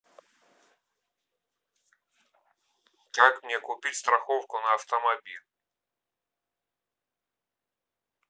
как мне купить страховку на автомобиль